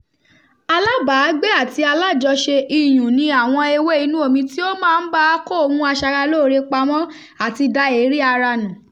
Alábàágbé àti alájọṣe iyùn ni àwọn ewé inú omi tí ó máa ń bá a kó ohun aṣaralóore pamọ́ àti da èérí ara nù.